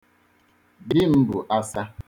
Di m bụ asa.